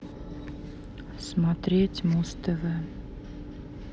смотреть муз тв